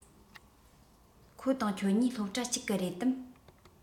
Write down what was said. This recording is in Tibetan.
ཁོ དང ཁྱོད གཉིས སློབ གྲྭ གཅིག གི རེད དམ